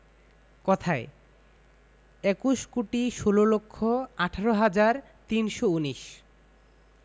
কথায়ঃ একুশ কোটি ষোল লক্ষ আঠারো হাজার তিনশো উনিশ